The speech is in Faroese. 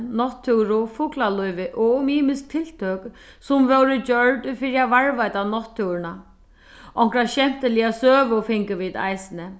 náttúru fuglalívi og um ymisk tiltøk sum vórðu gjørd fyri at varðveita náttúruna onkra skemtiliga søgu fingu vit eisini